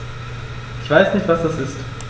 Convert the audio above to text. Ich weiß nicht, was das ist.